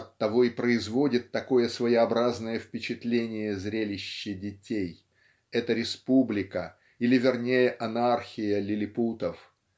Оттого и производит такое своеобразное впечатление зрелище детей эта республика или вернее анархия лиллипутов